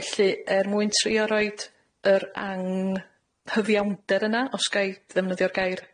Felly, er mwyn trio roid yr ang- hyfiawnder yna, os ga i ddefnyddio'r gair